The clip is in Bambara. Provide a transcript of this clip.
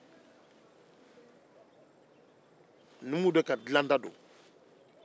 o ye numw ka dilali ye